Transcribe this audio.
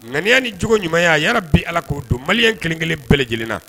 Ŋaniya ni cogo ɲumanya a'ra bi ala k'o don mali kelen kelen bɛɛ lajɛlenna